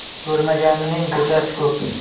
ko'rmaganning ko'chasi ko'p